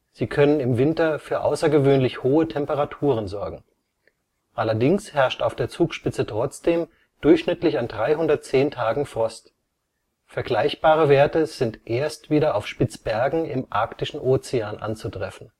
Sie können im Winter für außergewöhnlich hohe Temperaturen sorgen. Allerdings herrscht auf der Zugspitze trotzdem durchschnittlich an 310 Tagen Frost. Vergleichbare Werte sind erst wieder auf Spitzbergen im Arktischen Ozean anzutreffen